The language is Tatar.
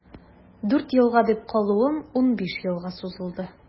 Дүрт елга дип калуым унбиш елга сузылды.